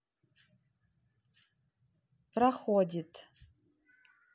проходит